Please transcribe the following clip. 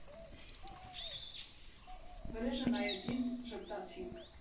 Վրեժը նայեց ինձ՝ ժպտացինք։